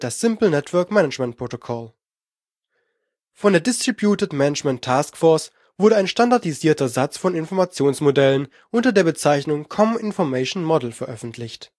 Simple Network Management Protocol (SNMP). Von der Distributed Management Task Force wurde ein standardisierter Satz von Informationsmodellen unter der Bezeichnung Common Information Model veröffentlicht